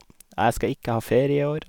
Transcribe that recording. Jeg skal ikke ha ferie i år.